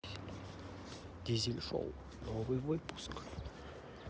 дизель шоу новый выпуск